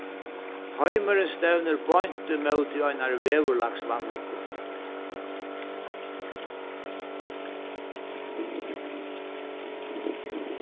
heimurin stevnir beint ímóti einari veðurlagsvanlukku